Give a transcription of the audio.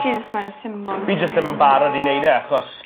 Ti jyst fel y symbol... Fi jyst dim yn barod i neud e achos